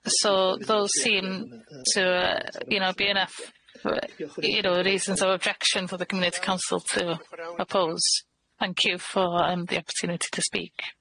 So those seen to y- you know be enough y'know reasons of objection for the Community Council to oppose, thank you for yym the opportunity to speak.